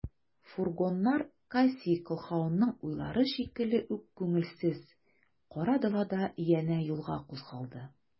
Фургоннар Кассий Колһаунның уйлары шикелле үк күңелсез, кара далада янә юлга кузгалды.